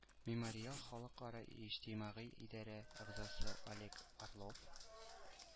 “мемориал” халыкара иҗтимагый идарә әгъзасы олег орлов: